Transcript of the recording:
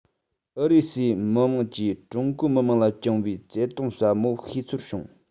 ཨུ རུ སུའི མི དམངས ཀྱིས ཀྲུང གོའི མི དམངས ལ བཅངས པའི བརྩེ དུང ཟབ མོ ཤེས ཚོར བྱུང